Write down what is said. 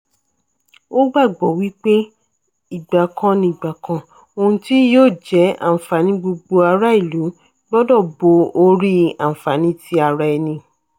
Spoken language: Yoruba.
Ó gbàgbọ́ wípé ìgbàkanìgbàkàn “ohun tí yóò jẹ́ àǹfààní gbogbo ará ìlú gbọdọ̀ bo orí àǹfààní ti ara ẹni.”